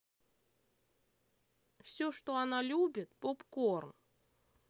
все что она любит попкорн